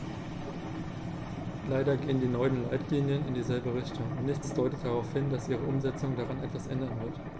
Leider gehen die neuen Leitlinien in dieselbe Richtung, und nichts deutet darauf hin, dass ihre Umsetzung daran etwas ändern wird.